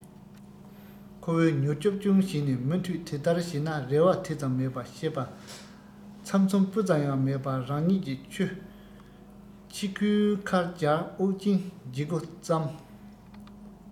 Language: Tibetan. ཁོ བོས མྱུར སྐྱོབ ཅུང བྱས ནས མུ མཐུད དེ ལྟར བྱས ན རེ བ དེ ཙམ མེད པ ཤེས པ ཚམ ཚོམ སྤུ ཙམ ཡང མེད པ རང ཉིད ཀྱི མཆུ ཁྱི གུའི ཁར སྦྱར དབུགས སྦྱིན བྱེད སྒོ བརྩམས